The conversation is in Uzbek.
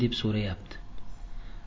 deb surayapti